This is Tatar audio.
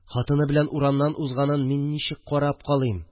Хатыны белән урамнан узганын мин ничек карап калыйм